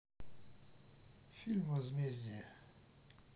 фильм возмездие